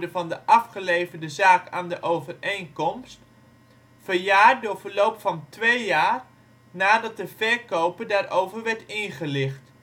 van de afgeleverde zaak aan de overeenkomst, verjaart door verloop van 2 jaar nadat de verkoper daarover werd ingelicht